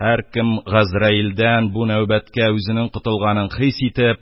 Һәркем, газраилдән бу нәүбәткә үзенең котылганын хис итеп,